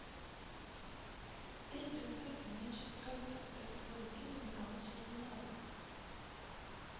эй принцесса меньше стресса это твой любимый никому тебя не надо